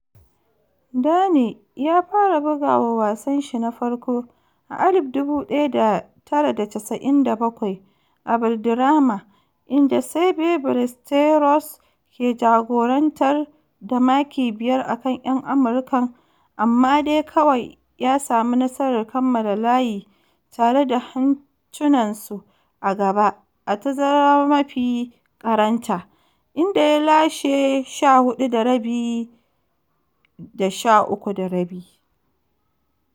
Dane ya fara bugawa wasan shi na farko a 1997 a Valderrama, inda Seve Ballesteros ke jagorantar da maki biyar a kan 'yan Amurkan amma dai kawai ya sami nasarar kammala layi tare da hancunan su a gaba a tazarar mafi karanta, inda ya lashe 14½- 13½.